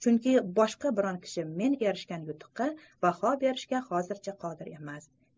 chunki boshqa biron kishi men erishgan yutuqqa baho berishga hozircha qodir emas